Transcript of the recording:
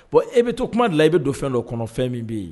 Bon i bɛ to kuma de la, i bɛ don fɛn dɔ kɔnɔ fɛn min bɛ yen